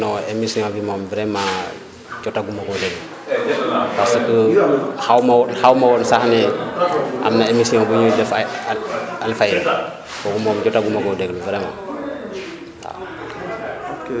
non émission bi moom vraiment jotaguma koo déglu parce que xaw ma woo xaw ma woon sax ne am na émission bu ñuy def ak Alfayda kooku moom jotaguma koo déglu vraiment waaw